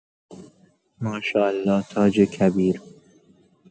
ماشالله تاج کبیر